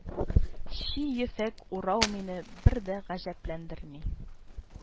Чи ефәк урау мине бер дә гаҗәпләндерми